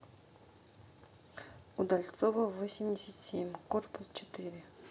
удальцова восемьдесят семь корпус четыре